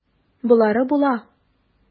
Болары була.